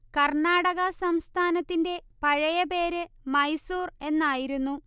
കർണാടക സംസ്ഥാനത്തിന്റെ പഴയ പേര് മൈസൂർ എന്നായിരുന്നു